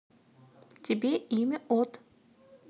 тебе имя от